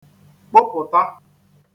kpụpụ̀ta